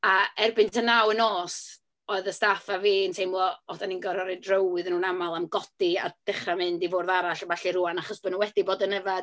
A erbyn tua naw y nos oedd y staff a fi'n teimlo, o dan ni'n gorfod rhoi row iddyn nhw'n aml am godi a dechrau mynd i fwrdd arall a ballu rŵan, achos bo' nhw wedi bod yn yfed.